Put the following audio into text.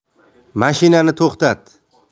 mashinani to'xtat